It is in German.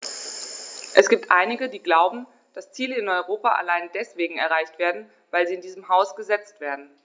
Es gibt einige, die glauben, dass Ziele in Europa allein deswegen erreicht werden, weil sie in diesem Haus gesetzt werden.